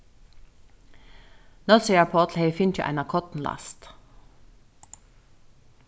nólsoyar páll hevði fingið eina kornlast